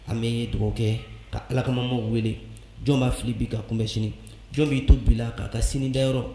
An bɛ duwawu kɛ, ka Alakamamaaw wele. Jɔn b'a fili bi ka kunbɛn sini. Jɔn b'i to bi la k'a ta sini da yɔrɔ